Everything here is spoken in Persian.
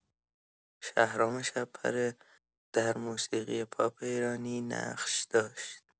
شهرام شب‌پره در موسیقی پاپ ایرانی نقش داشت.